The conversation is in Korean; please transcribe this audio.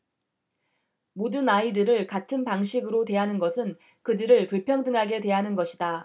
모든 아이들을 같은 방식으로 대하는 것은 그들을 불평등하게 대하는 것이다